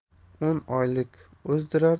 o'n oylik o'zdirar